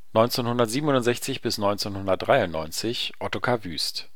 1967 – 1993 Ottokar Wüst